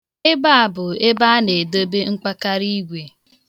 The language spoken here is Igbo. Ebe a bụ ebe a na-edobe mkpakariigwe.